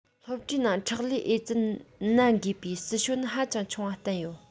སློབ གྲྭའི ནང ཁྲག ལས ཨེ ཙི ནད འགོས པའི སྲིད ཕྱོད ནི ཧ ཅང ཆུང བ བསྟན ཡོད